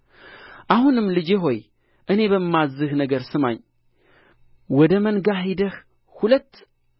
አሁንም ልጄ ሆይ እኔ በማዝዝህ ነገር ስማኝ ወደ መንጋ ሄደህ ሁለት